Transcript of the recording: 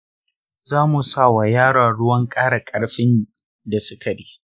zamu sawa yaron ruwan ƙara ƙarfi da sikari